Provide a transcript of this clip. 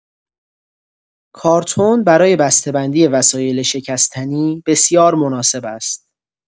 کارتن برای بسته‌بندی وسایل شکستنی بسیار مناسب است.